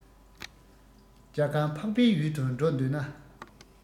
རྒྱ གར འཕགས པའི ཡུལ དུ འགྲོ འདོད ན